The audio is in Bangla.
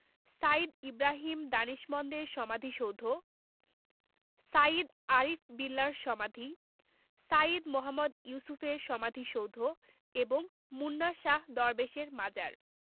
সাইয়্যিদ ইবরাহিম দানিশমন্দের সমাধিসৌধ সাইয়্যিদ আরিফ বিল্লাহর সমাধি সাইয়্যিদ মুহম্মদ ইউসুফের সমাধিসৌধ এবং মুন্না শাহ দরবেশের মাজার